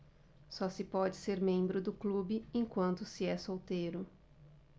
só se pode ser membro do clube enquanto se é solteiro